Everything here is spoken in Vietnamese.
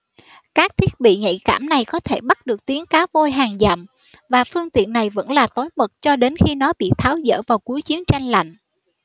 các thiết bị nhạy cảm này có thể bắt được tiếng cá voi hàng dặm và phương tiện này vẫn là tối mật cho đến khi nó bị tháo dỡ vào cuối chiến tranh lạnh